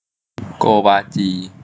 โกวาจี